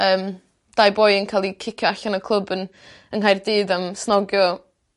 yym dau boi yn ca'l 'u cicio allan o clwb yn yng Nghaerdydd am snogio.